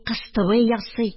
Кыстыбый ясый